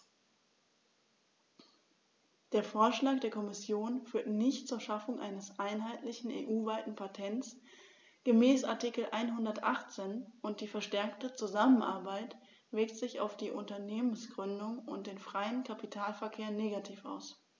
Der Vorschlag der Kommission führt nicht zur Schaffung eines einheitlichen, EU-weiten Patents gemäß Artikel 118, und die verstärkte Zusammenarbeit wirkt sich auf die Unternehmensgründung und den freien Kapitalverkehr negativ aus.